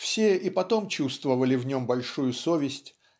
Все и потом чувствовали в нем большую совесть